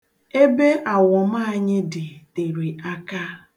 Ebe awọm anyị dị tere aka.